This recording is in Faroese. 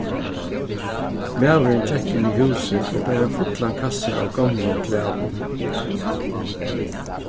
maðurin gekk inn í húsið og bar ein fullan kassa av gomlum klæðum